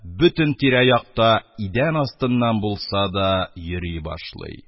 Бөтен тирә-якта, идән астыннан булса да, йөри башлый